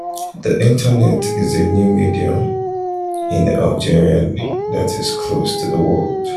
The Internet is a new medium in a Algeria that is closed to the world.